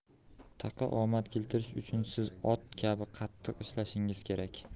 taqa omad keltirishi uchun siz ot kabi qattiq ishlashingiz kerak